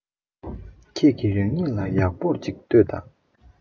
ཁྱེད ཀྱི རང ཉིད ལ ཡག པོར ཅིག ལྟོས དང